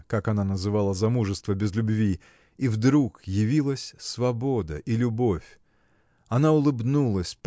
как она называла замужество без любви и вдруг явились свобода и любовь. Она улыбнулась